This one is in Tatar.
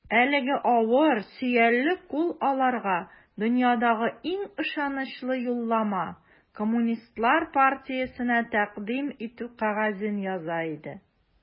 Әлеге авыр, сөялле кул аларга дөньядагы иң ышанычлы юллама - Коммунистлар партиясенә тәкъдим итү кәгазен яза иде.